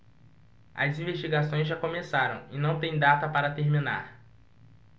as investigações já começaram e não têm data para terminar